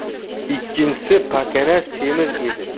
ikkinchisi pakana semiz edi